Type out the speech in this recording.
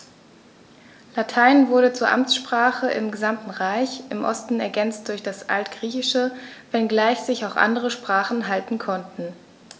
Latein wurde zur Amtssprache im gesamten Reich (im Osten ergänzt durch das Altgriechische), wenngleich sich auch andere Sprachen halten konnten.